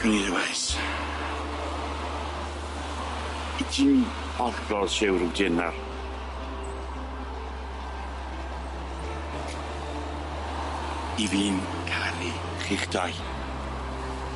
i ti'n ollol siwr 'byty hyn nawr? I fi'n caru chi'ch dau.